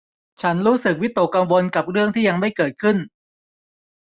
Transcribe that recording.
ฉันรู้สึกวิตกกังวลกับเรื่องที่ยังไม่เกิดขึ้น